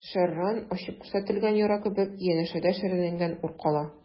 Шәрран ачып күрсәтелгән яра кебек, янәшәдә шәрәләнгән ур кала.